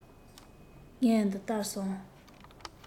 ངས འདི ལྟར བསམ